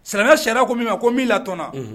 Silamɛya sariya ko min ma ko . Unhun.